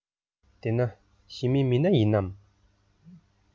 དེ ན ཞི མི མི སྣ ཡིན ནམ